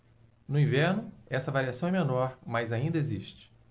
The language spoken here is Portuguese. no inverno esta variação é menor mas ainda existe